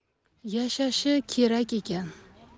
yashashi kerak ekan